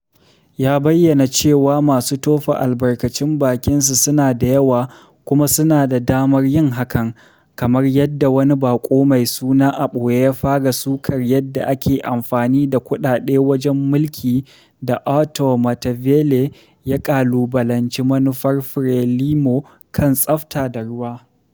Ya bayyana cewa masu tofa albarkacin bakin su suna da yawa kuma suna da damar yin hakan, kamar yadda wani baƙo mai suna a ɓoye ya fara sukar yadda ake amfani da kuɗaɗe wajen mulki, da Artur Matavele ya ƙalubalanci manufar Frelimo kan tsafta da ruwa [pt].